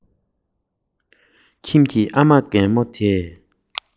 ང ཚོ ལྕགས ཐབ ཀྱི འོག ནས མར ཐོན ཏེ